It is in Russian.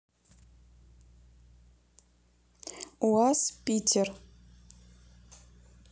уаз питер